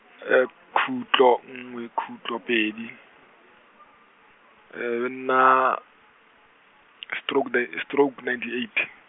khutlo nngwe khutlo pedi, e e nna, stroke da- stroke ninety eight.